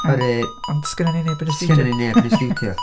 Oherwydd... Ond 'sgynno ni neb yn y stiwdio... 'Sgynno ni neb yn y stiwdio.